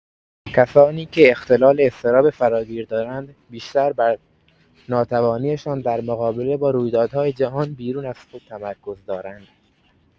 کسانی که اختلال اضطراب فراگیر دارند، بیشتر بر ناتوانی‌شان در مقابله با رویدادهای جهان بیرون از خود تمرکز دارند.